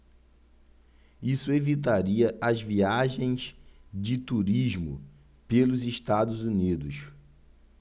isso evitaria as viagens de turismo pelos estados unidos